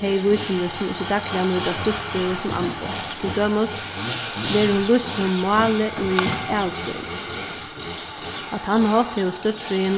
tey vísindi sum ikki dagliga nýta støddfrøði sum amboð til dømis verður hon lýst sum málið í alisfrøðini á tann hátt hevur støddfrøði